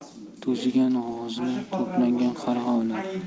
to'zigan g'ozni to'plangan qarg'a olar